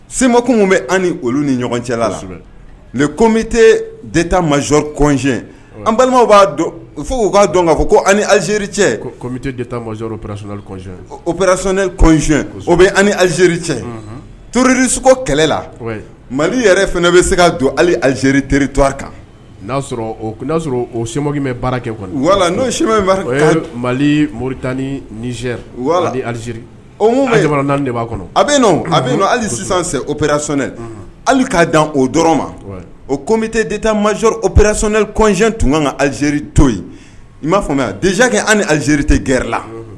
Sekumakun bɛ an ni olu ni ɲɔgɔn cɛ la ni komte mazori kɔcy balimaw b'a dɔn fo u ka'a dɔn kan kozeri cɛmzli oɛsɛy o bɛ alizeri cɛ toririsoko kɛlɛla mali yɛrɛ fana bɛ se ka don ali azeri teri to kana'a sɔrɔ o semɔgɔ bɛ baara kɛla n'o sɛmɛ mali morianiz aliz de b'a kɔnɔ a ali sisan oɛraɛ hali k'a dan o dɔrɔn ma o kombite mazo oɛrasɛ kɔzy tun kan kan aze to i m'a faamuya dzkɛ an azeri tɛ gɛrɛ la